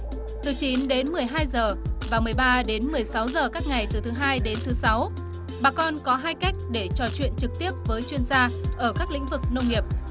từ chín đến mười hai giờ và mười ba đến mười sáu giờ các ngày từ thứ hai đến thứ sáu bà con có hai cách để trò chuyện trực tiếp với chuyên gia ở các lĩnh vực nông nghiệp